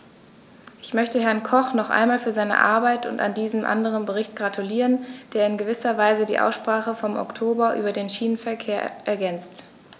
Ich möchte Herrn Koch noch einmal für seine Arbeit an diesem anderen Bericht gratulieren, der in gewisser Weise die Aussprache vom Oktober über den Schienenverkehr ergänzt.